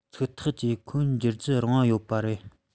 ཚིག ཐག བཅད ཁོས འགྱུར གྱིས རིང བ ཡོད པ རེད